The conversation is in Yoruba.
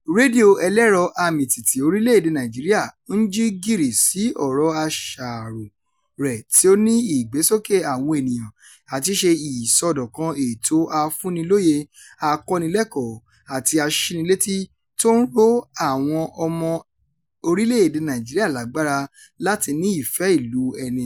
Rédíò ẹlẹ́rọ-amìtìtì orílẹ̀-èdèe Nàìjíríà ń jí gìrì sí ọ̀rọ̀ àṣàròo rẹ̀ tí ó ní ìgbésókè àwọn ènìyàn àti ṣíṣe ìsọdọ̀kan ètò afúnilóye, akọ́nilẹ́kọ̀ọ́ àti aṣínilétí tó ń ró àwọn ọmọ orílẹ̀-èdèe Nàìjíríà lágbára láti ní ìfẹ́ ìlú ẹni.